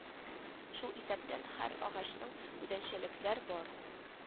Шул исәптән һәр агачның үзенчәлекләр бар